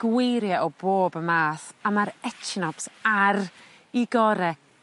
gweirie o bob math a ma'r Echinops ar 'i gore'.